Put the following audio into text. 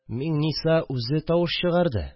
– миңниса үзе тавыш чыгарды